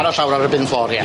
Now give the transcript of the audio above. Ar y llawr ar y bin floor ie.